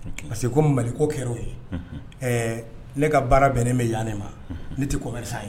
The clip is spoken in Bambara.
Parce que ko maliko kɛra o ye ɛɛ ne ka baara bɛn ne bɛ yan ne ma ne tɛ kɔmɛsa ye